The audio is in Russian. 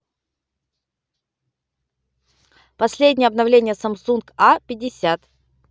последнее обновление самсунг а пятьдесят